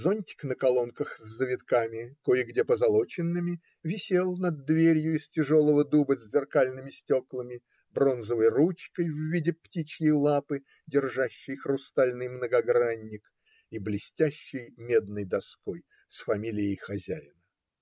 Зонтик на колонках с завитками, кое-где позолоченными, висел над дверью из тяжелого дуба с зеркальными стеклами, бронзовой ручкой в виде птичьей лапы, держащей хрустальный многогранник, и блестящей медной доской с фамилией хозяина.